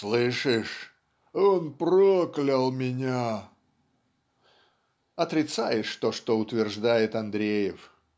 Слышишь, он проклял меня!" Отрицаешь то, что утверждает Андреев.